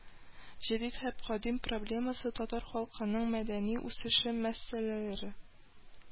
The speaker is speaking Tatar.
Җәдит һәм кадим проблемасы, татар халкының мәдәни үсеше мәсьәләләре